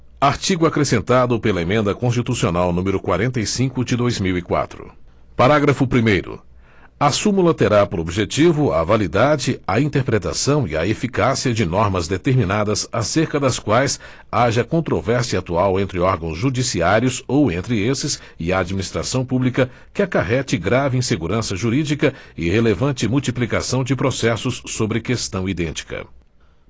artigo acrescentado pela emenda constitucional número quarenta e cinco de dois mil e quatro parágrafo primeiro a súmula terá por objetivo a validade a interpretação e a eficácia de normas determinadas acerca das quais haja controvérsia atual entre órgãos judiciários ou entre esses e a administração pública que acarrete grave insegurança jurídica e relevante multiplicação de processos sobre questão idêntica